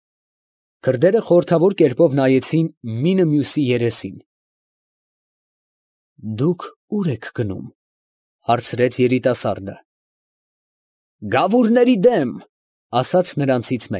Քրդերը խորհրդավոր կերպով նայեցին մինը մյուսի երեսին, ֊ Դուք ո՞ւր եք գնում, ֊ հարցրեց երիտասարդը։ ֊ Գավուրների դեմ, ֊ ասաց նրանցից։